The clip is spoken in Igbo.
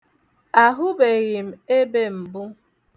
Ahụbeghị m ebe mbụ.